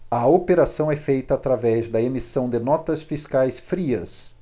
a operação é feita através da emissão de notas fiscais frias